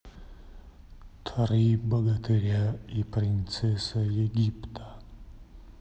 три богатыря и принцесса египта